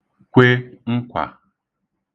kwe nkwà